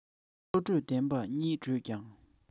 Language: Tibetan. བློ གྲོས ལྡན པ གཉིས བགྲོས ན